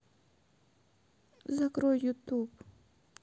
закрой ютюб